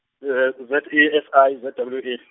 Z E S I Z W E.